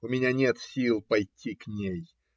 У меня нет сил пойти к ней.